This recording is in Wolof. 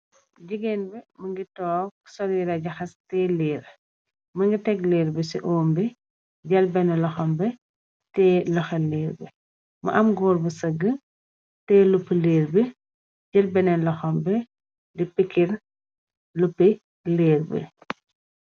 Gigeen mugii tóóg sol yirèh jaxase teyeh liir. Mugii tèg liir bi ci öm bi, jél benna loxom bi teyeh loxo liir bi. Mu am gór bu sagg teyeh Lupi liir bi jél benen loxom bi di pikiir lupi liir bi.